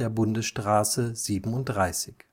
Bundesstraße 37